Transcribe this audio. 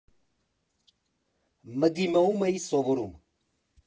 ՄԳԻՄՈ֊ում էի սովորում։